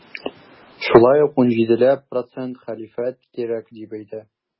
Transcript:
Шулай ук 17 ләп процент хәлифәт кирәк дип әйтә.